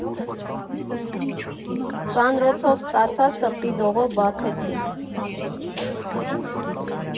Ծանրոցով ստացա, սրտի դողով բացեցի…